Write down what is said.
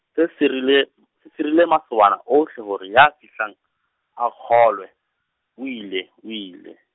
se sirile , se sirile masobana ohle hore ya fihlang, a kgolwe, o ile o ile.